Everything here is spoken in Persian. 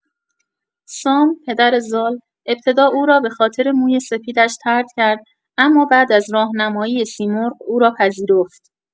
سام، پدر زال، ابتدا او را به‌خاطر موی سپیدش طرد کرد اما بعد از راهنمایی سیمرغ او را پذیرفت.